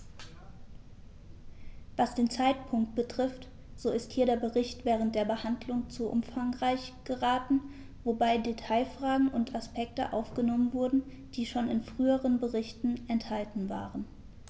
Was den Zeitpunkt betrifft, so ist hier der Bericht während der Behandlung zu umfangreich geraten, wobei Detailfragen und Aspekte aufgenommen wurden, die schon in früheren Berichten enthalten waren.